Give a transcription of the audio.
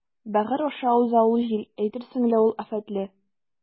Бәгырь аша уза ул җил, әйтерсең лә ул афәтле.